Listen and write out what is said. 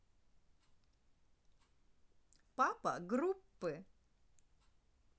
папа группы